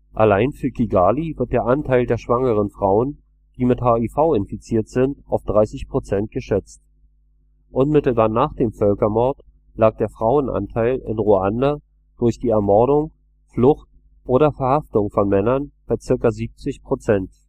Allein für Kigali wird der Anteil der schwangeren Frauen, die mit HIV infiziert sind, auf 30 Prozent geschätzt. Unmittelbar nach dem Völkermord lag der Frauenanteil in Ruanda durch die Ermordung, Flucht oder Verhaftung von Männern bei zirka 70 Prozent